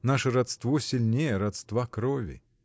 Наше родство сильнее родства крови.